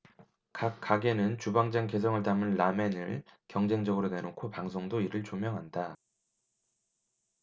각 가게는 주방장 개성을 담은 라멘을 경쟁적으로 내놓고 방송도 이를 조명한다